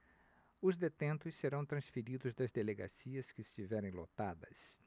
os detentos serão transferidos das delegacias que estiverem lotadas